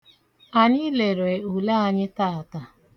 Anyị lere ule anyị taata.